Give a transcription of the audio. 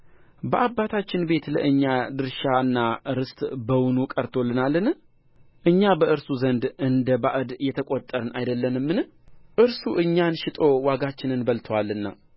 በአባታችን ቤት ለእኛ ድርሻና ርስት በውኑ ቀርቶልናልን እኛ በእርሱ ዘንድ እንደ ባዕድ የተቈጠርን አይደለንምን እርሱ እኛን ሸጦ ዋጋችንን በልቶአልና